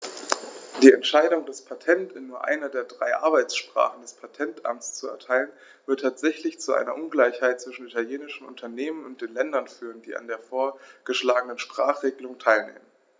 Die Entscheidung, das Patent in nur einer der drei Arbeitssprachen des Patentamts zu erteilen, wird tatsächlich zu einer Ungleichheit zwischen italienischen Unternehmen und den Ländern führen, die an der vorgeschlagenen Sprachregelung teilnehmen.